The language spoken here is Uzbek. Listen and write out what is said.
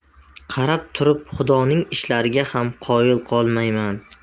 qarab turib xudoning ishlariga ham qoyil qolmayman